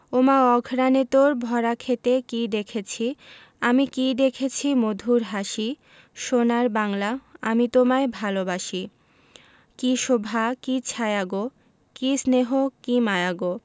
ওমা অঘ্রানে তোর ভরা ক্ষেতে কী দেখেছি আমি কী দেখেছি মধুর হাসি সোনার বাংলা আমি তোমায় ভালোবাসি কী শোভা কী ছায়া গো কী স্নেহ কী মায়া গো